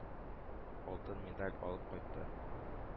Алтын медаль алып кайтты.